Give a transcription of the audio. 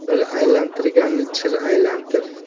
bir aylantirganni chir aylantir